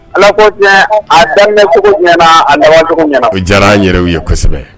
Ala ko a dɛmɛcogo ɲɛna na acogo na o diyara yɛrɛw ye kosɛbɛ